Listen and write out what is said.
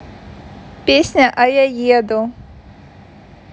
песня а я еду